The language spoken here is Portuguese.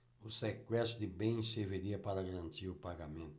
o sequestro de bens serviria para garantir o pagamento